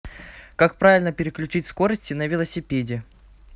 как правильно переключать скорости на велосипеде